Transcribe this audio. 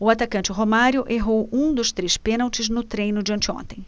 o atacante romário errou um dos três pênaltis no treino de anteontem